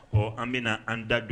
Ɔ an bɛna an da don